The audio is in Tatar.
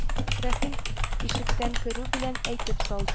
Рәхим ишектән керү белән әйтеп сал